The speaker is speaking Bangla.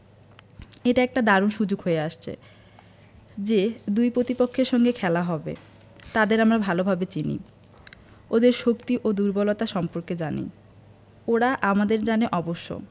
এটা একটা দারুণ সুযোগ হয়ে আসছে যে দুই পতিপক্ষের সঙ্গে খেলা হবে তাদের আমরা ভালোভাবে চিনি ওদের শক্তি ও দুর্বলতা সম্পর্কে জানি ওরা আমাদের জানে অবশ্য